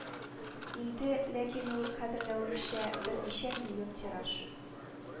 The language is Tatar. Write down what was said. Инде, ләкин ул, хәтерләвемчә, берничә миллион тираж